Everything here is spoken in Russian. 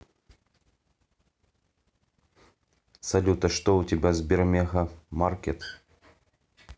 салют а что у тебя сбер мега маркет